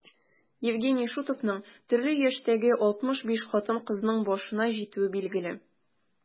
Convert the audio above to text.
Евгений Шутовның төрле яшьтәге 65 хатын-кызның башына җитүе билгеле.